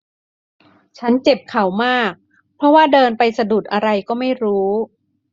ฉันเจ็บเข่ามากเพราะว่าเดินไปสะดุดอะไรก็ไม่รู้